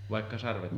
vaikka sarvet on